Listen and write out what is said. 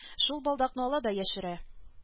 Шул балдакны ала да яшерә